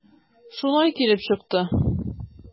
Шулай килеп чыкты.